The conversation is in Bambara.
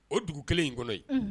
O dugu kelen in kɔnɔ ye